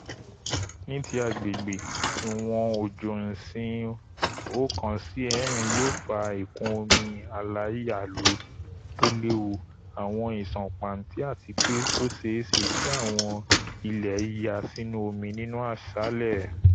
Ní ti agbègbè, ìwọ̀n òjò íǹsì 1 sí 4 yóò fa ìkún omi aláyalù tó léwu, àwọn ìsàn pàǹti àtipé ó ṣeé ṣe kí àwọn ilẹ̀ ya sínú omi nínú aṣálẹ̀.